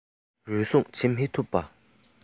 རུལ སུངས བྱེད མི ཐུབ པ